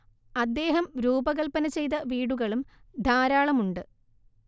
അദ്ദേഹം രൂപകല്പന ചെയ്ത വീടുകളും ധാരാളമുണ്ട്